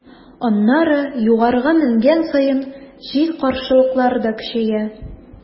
Аннары, югарыга менгән саен, җил-каршылыклар да көчәя.